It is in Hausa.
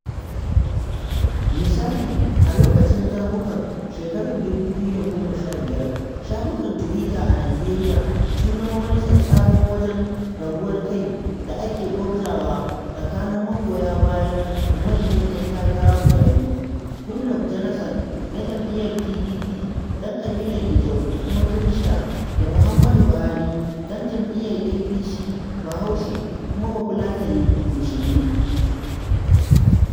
Misali, a lokacin zaɓukan shekarar 2015, shafukan tuwita a Nijeriya sun zama wani tsattsaman wajen rabuwar kai da ake gwabzawa tsakanin magoya bayan manyan 'yan takara guda biyu, Goodluck Jonathan (na jam'iyyar PDP, ɗan ƙabilar Ijaw kuma Kirista) da Muhammadu Buhari (ɗan jam'iyyar APC, Bahaushe kuma Bafulatani Musulmi).